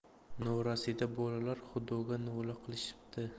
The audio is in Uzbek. norasida bolalar xudoga nola qilishibdi